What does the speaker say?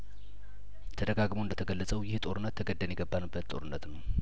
ተደጋግሞ እንደተገለጸው ይህ ጦርነት ተገደን የገባንበት ጦርነት ነው